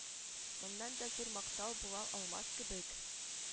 Моннан да зур мактау була алмас кебек